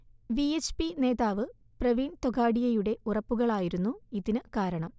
V H P നേതാവ് പ്രവീൺ തൊഗാഡിയയുടെ ഉറപ്പുകളായിരുന്നു ഇതിന് കാരണം